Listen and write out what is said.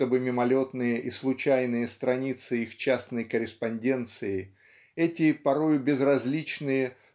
чтобы мимолетные и случайные страницы их частной корреспонденции эти порою безразличные